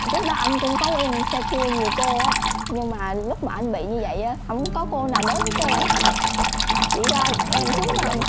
trước đó anh cũng có quen xê cua nhiều cô á nhưng mà lúc mà ảnh bị như vậy á hổng có cô nào đến hết trơn á chỉ có em xuống thôi